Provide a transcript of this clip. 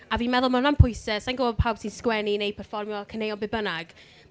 A fi'n meddwl mae hwnna'n pwysau, sa i’n gwbod, pawb sy’n sgwennu neu perfformio, caneuon, be bynnag.